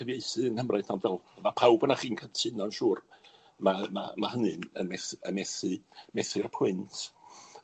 cyfieithu yng Nghymru, ond fel ma' pawb onoch chi'n cytuno'n siŵr, ma' ma' ma' hynny'n yn meth- yn methu methu'r pwynt.